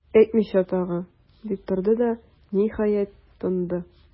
Әйтмичә тагы,- дип торды да, ниһаять, тынды.